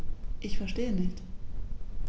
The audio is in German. Ich verstehe nicht.